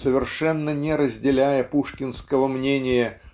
совершенно не разделяя пушкинского мнения